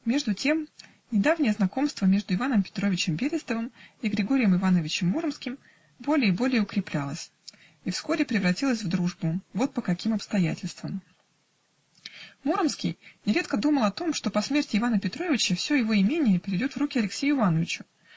Между тем недавнее знакомство между Иваном Петровичем Берестовым и Григорьем Ивановичем Муромским более и более укреплялось и вскоре превратилось в дружбу, вот по каким обстоятельствам: Муромский нередко думал о том, что по смерти Ивана Петровича все его имение перейдет в руки Алексею Ивановичу